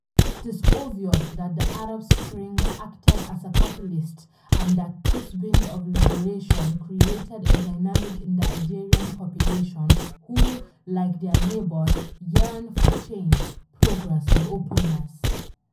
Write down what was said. It is obvious that the Arab Spring acted as a catalyst and that this wind of liberation created a dynamic in the Algerian population who, like their neighbors, yearn for change, progress and openness.